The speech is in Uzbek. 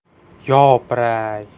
yo piray